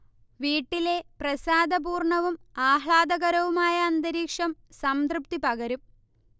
വീട്ടിലെ പ്രസാദപൂർണവും ആഹ്ലാദകരവുമായ അന്തരീക്ഷം സംതൃപ്തി പകരും